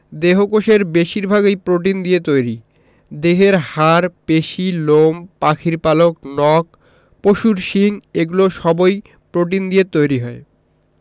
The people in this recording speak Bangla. দেহকোষের বেশির ভাগই প্রোটিন দিয়ে তৈরি দেহের হাড় পেশি লোম পাখির পালক নখ পশুর শিং এগুলো সবই প্রোটিন দিয়ে তৈরি হয়